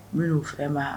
N bɛ' o fɛn ma